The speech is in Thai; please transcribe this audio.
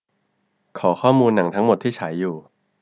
ขอข้อมูลหนังทั้งหมดที่ฉายอยู่